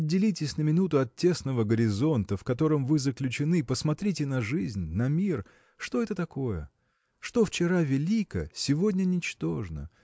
Отделитесь на минуту от тесного горизонта в котором вы заключены посмотрите на жизнь на мир что это такое?. Что вчера велико, сегодня ничтожно